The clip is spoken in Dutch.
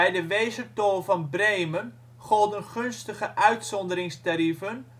de Wezertol van Bremen golden gunstige uitzonderingstarieven